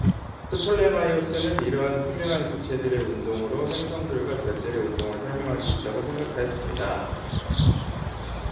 프톨레마이오스는 이러한 투명한 구체들의 운동으로 행성들과 별들의 운동을 설명할 수 있다고 생각하였습니다